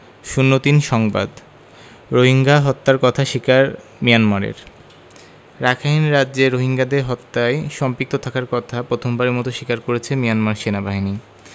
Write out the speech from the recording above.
০৩ সংবাদ রোহিঙ্গা হত্যার কথা স্বীকার মিয়ানমারের রাখাইন রাজ্যে রোহিঙ্গাদের হত্যায় সম্পৃক্ত থাকার কথা প্রথমবারের মতো স্বীকার করেছে মিয়ানমার সেনাবাহিনী